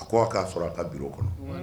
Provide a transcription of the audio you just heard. A ko a k'a sɔrɔ a ka bi kɔnɔ